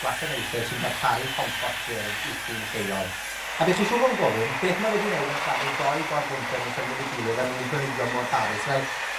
gwasanaethe sy'n darparu compost gwyrdd i chi'n lleol. A be' chi siŵr fo' yn gofyn, beth ma' fe 'di neud yn plannu dou gor-bwmpen wrth ymyl 'i gilydd, â nw'n planhigion mor barus? Wel,